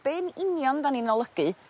be'n union 'dan ni'n olygu